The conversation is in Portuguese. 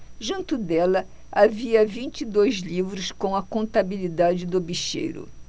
junto dela havia vinte e dois livros com a contabilidade do bicheiro